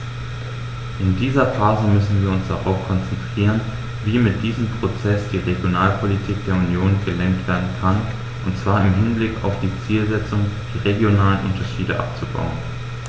In dieser Phase müssen wir uns darauf konzentrieren, wie mit diesem Prozess die Regionalpolitik der Union gelenkt werden kann, und zwar im Hinblick auf die Zielsetzung, die regionalen Unterschiede abzubauen.